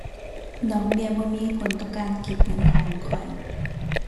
ดอกเบี้ยบ่มีผลต่อการเก็บเงินของข้อย